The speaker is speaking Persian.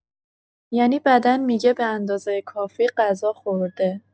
یعنی بدن می‌گه به‌اندازه کافی غذا خورده.